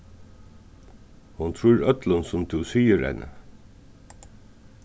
hon trýr øllum sum tú sigur henni